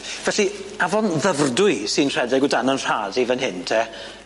Felly afon Ddyfrdwy sy'n rhedeg o dan 'yn nhrad i fan hyn te?